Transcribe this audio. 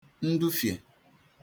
ndufìè